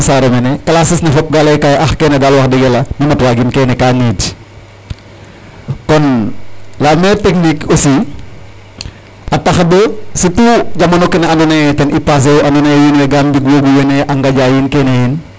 Kon la meilleur technique aussi a taxa bo surtout jamano kene andoona yee ten i passer u andoona yee wiin we ga mbiwoogu wene a nqanja yiin kene yiin.